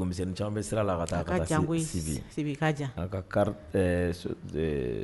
Misɛn caman bɛ sira la ka jan